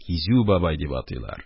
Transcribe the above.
«кизү бабай» дип атыйлар.